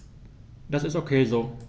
Das ist ok so.